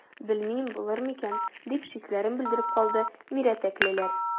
Белмим, булыр микән,– дип шикләрен белдереп калды мирәтәклеләр.